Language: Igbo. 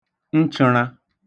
nchə̣̄rā